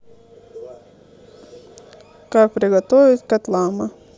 как приготовить катлама